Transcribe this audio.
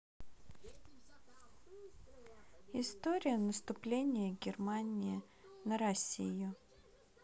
история наступления германии на россию